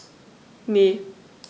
Ne.